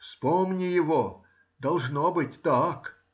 Вспомни его, должно быть так